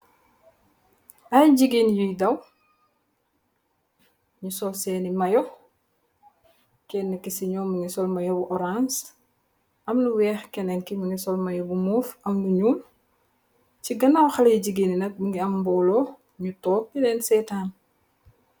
Ay jigèen yi daw, nu sol senni mayo. Kenn ki ci noom mungi sol mayo bu orance, am lu weeh. Kenn ki mungi sol bu move am lu ñuul. Ci gannaw haley jigéen yi nak mungi am bolo nu toog di leen sètan.